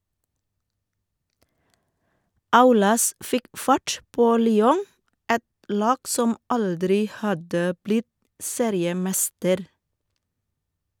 Aulas fikk fart på Lyon, et lag som aldri hadde blitt seriemester.